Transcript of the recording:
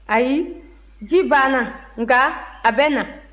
ayi ji banna nka a bɛ na